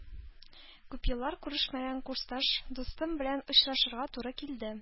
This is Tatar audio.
Күп еллар күрешмәгән курсташ дустым белән очрашырга туры килде